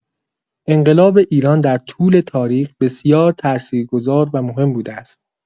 انقلاب ایران در طول تاریخ بسیار تاثیرگذار و مهم بوده است.